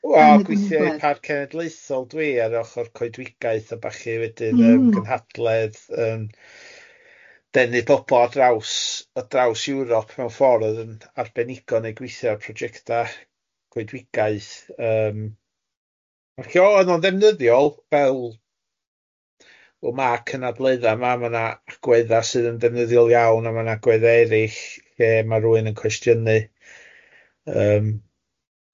Wel gwithio i Parc Cenedlaethol dwi ar ochr coedwigaeth a bachy, wedyn... Yym ...gynhadledd yym denu pobl ar draws ar draws Ewrop, mewn ffordd oedd yn arbenigo wneud gweithio ar projecta coedwigaeth yym felly oedd o'n ddefnyddiol fel wel ma' cynadleddau yma, ma' na agweddau sydd yn defnyddiol iawn a ma' na agweddau eraill lle ma' rywun yn cwestiynnu yym.